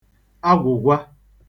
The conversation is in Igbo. agwụ̀gwa